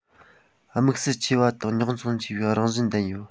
དམིགས བསལ ཆེ བ དང རྙོག འཛིང ཆེ བའི རང བཞིན ལྡན ཡོད